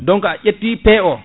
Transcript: donc a ƴetti P o